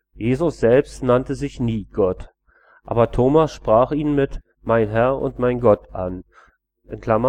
Jesus selbst nannte sich nie „ Gott “. Aber Thomas sprach ihn mit „ Mein Herr und mein Gott! “an (Joh